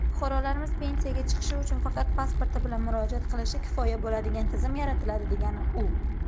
fuqarolarimiz pensiyaga chiqishi uchun faqat pasporti bilan murojaat qilishi kifoya bo'ladigan tizim yaratiladi degan u